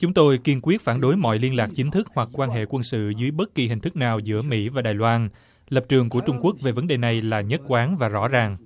chúng tôi kiên quyết phản đối mọi liên lạc chính thức hoặc quan hệ quân sự dưới bất kỳ hình thức nào giữa mỹ và đài loan lập trường của trung quốc về vấn đề này là nhất quán và rõ ràng